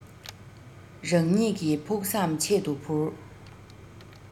རང ཉིད ཀྱི ཕུགས བསམ ཆེད དུ འཕུར